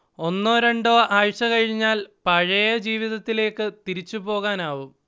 ഒന്നോ രണ്ടോ ആഴ്ച കഴിഞ്ഞാൽ പഴയ ജീവിതത്തിലേക്കു തിരിച്ചു പോകാനാവും